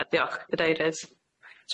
Ia diolch Prydeirydd.